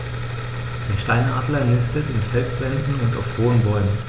Der Steinadler nistet in Felswänden und auf hohen Bäumen.